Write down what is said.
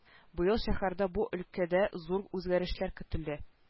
Быел шәһәрдә бу өлкәдә зур үзгәрешләр көтелә